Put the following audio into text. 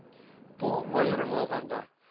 Бу, аерым алганда